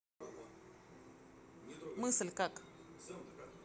мысль как